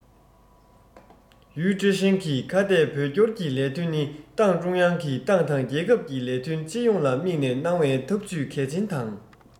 ཡུས ཀྲེང ཧྲེང གིས ཁ གཏད བོད སྐྱོར གྱི ལས དོན ནི ཏང ཀྲུང དབྱང གིས ཏང དང རྒྱལ ཁབ ཀྱི ལས དོན སྤྱི ཡོངས ལ དམིགས ནས གནང བའི འཐབ ཇུས གལ ཆེན དང